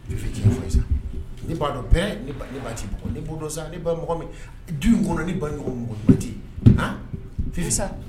Nefetigi ne baa dɔn bɛɛ ne ba ne ma mɔgɔ ne bolo sa ne ba mɔgɔ min du in kɔnɔ ne ba mɔgɔ tɛ asa